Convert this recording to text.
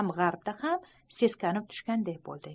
g'arbda ham seskanib tushganday bo'ldik